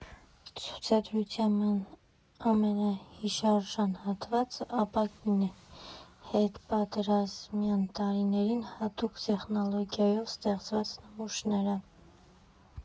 Ցուցադրության ամենահիշարժան հատվածը ապակին է՝ հետպատերազմյան տարիներին հատուկ տեխնոլոգիայով ստեղծված նմուշները։